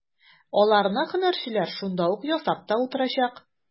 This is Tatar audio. Аларны һөнәрчеләр шунда ук ясап та утырачак.